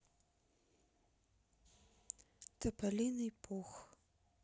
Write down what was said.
тополиный пух